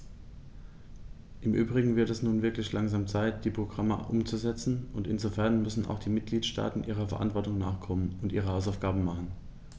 Im übrigen wird es nun wirklich langsam Zeit, die Programme umzusetzen, und insofern müssen auch die Mitgliedstaaten ihrer Verantwortung nachkommen und ihre Hausaufgaben machen.